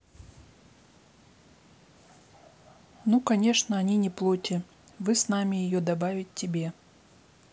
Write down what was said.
ну конечно они не плоти вы с нами ее добавить тебе